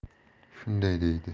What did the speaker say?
shunday deydi